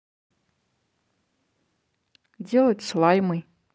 делать слаймы